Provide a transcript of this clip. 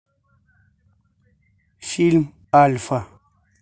фильм альфа